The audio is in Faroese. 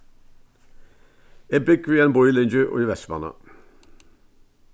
eg búgvi í einum býlingi í vestmanna